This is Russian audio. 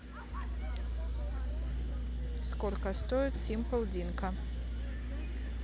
сколько стоит simple динка